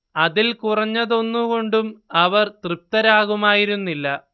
അതിൽ കുറഞ്ഞതോന്നുകൊണ്ടും അവർ തൃപ്തരാകുമായിരുന്നില്ല